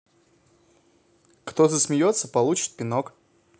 кто засмеется получит пинок